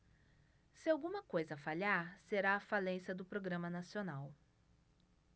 se alguma coisa falhar será a falência do programa nacional